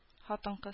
Хатын-кыз